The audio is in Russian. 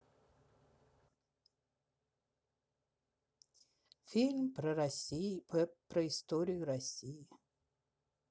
фильм про историю россии